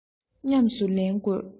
ཉམས སུ ལེན དགོས